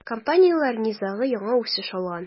Компанияләр низагы яңа үсеш алган.